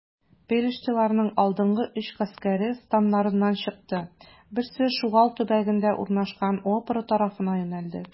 Пелештиләрнең алдынгы өч гаскәре, станнарыннан чыкты: берсе Шугал төбәгендә урнашкан Опра тарафына юнәлде.